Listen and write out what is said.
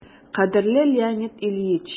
«кадерле леонид ильич!»